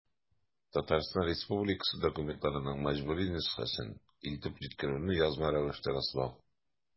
Татарстан Республикасы документларының мәҗбүри нөсхәсен илтеп җиткерүне язма рәвештә раслау.